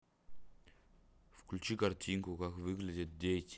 включи картинку как выглядеть дети